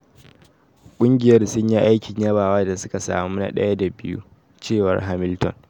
Kungiyar sunyi aikin yabawa da suka sami na daya da biyu,” cewar Hamilton.